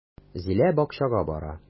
Зилә бакчага бара.